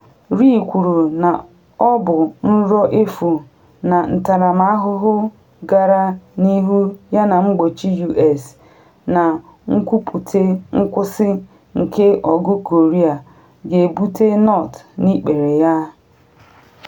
Ri kwuru na ọ bụ “nrọ efu” na ntaramahụhụ gara n’ihu yana mgbochi U.S. na nkwupute nkwụsị nke Ọgụ Korea ga-ebute North n’ikpere ya.